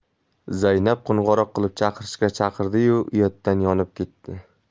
zaynab qo'ng'iroq qilib chaqirishga chaqirdi yu uyatdan yonib ketdi